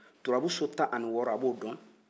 turabu so tan ani wɔɔrɔ a b'o dɔn